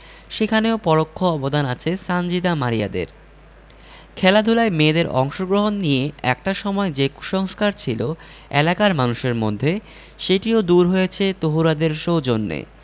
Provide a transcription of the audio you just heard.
সেখানেও পরোক্ষ অবদান আছে সানজিদা মারিয়াদের খেলাধুলায় মেয়েদের অংশগ্রহণ নিয়ে একটা সময় যে কুসংস্কার ছিল এলাকার মানুষের মধ্যে সেটিও দূর হয়েছে তহুরাদের সৌজন্যে